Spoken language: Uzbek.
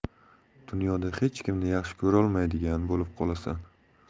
dunyoda hech kimni yaxshi ko'rolmaydigan bo'lib qolasan